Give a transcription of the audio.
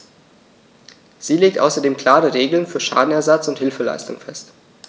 Sie legt außerdem klare Regeln für Schadenersatz und Hilfeleistung fest.